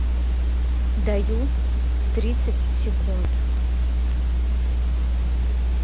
даю тридцать секунд